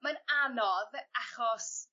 Mae'n anodd achos